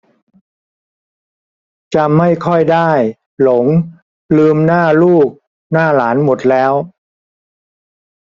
จำไม่ค่อยได้หลงลืมหน้าลูกหน้าหลานหมดแล้ว